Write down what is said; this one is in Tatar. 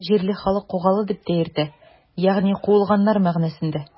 Җирле халык Кугалы дип тә йөртә, ягъни “куылганнар” мәгънәсендә.